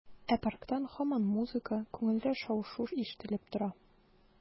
Ә парктан һаман музыка, күңелле шау-шу ишетелеп тора.